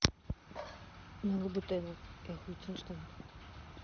на лабутенах и охуительных штанах